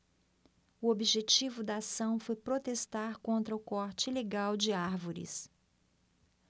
o objetivo da ação foi protestar contra o corte ilegal de árvores